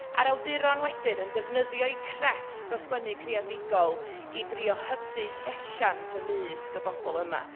A'r awduron wedyn yn defnyddio eu crefft o sgwennu creadigol i drio hybu llesiant ymysg y bobl yma.